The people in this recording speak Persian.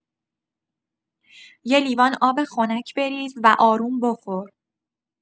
یه لیوان آب خنک بریز و آروم بخور.